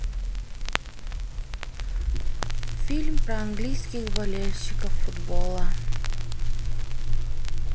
фильм про английских болельщиков футбола